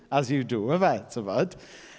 As you do ife? Timod.